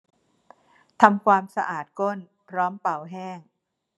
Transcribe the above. ทำความสะอาดก้นพร้อมเป่าแห้ง